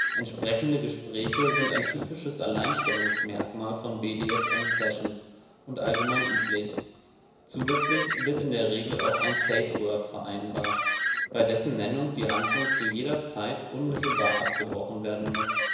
Entsprechende Gespräche sind ein typisches Alleinstellungsmerkmal von BDSM-Sessions und allgemein üblich. Zusätzlich wird in der Regel auch ein Safeword vereinbart, bei dessen Nennung die Handlung zu jeder Zeit unmittelbar abgebrochen werden muss